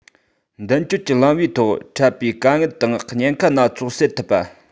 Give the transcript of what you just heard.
མདུན སྐྱོད ཀྱི ལམ བུའི ཐོག འཕྲད པའི དཀའ ངལ དང ཉེན ཁ སྣ ཚོགས སེལ ཐུབ པ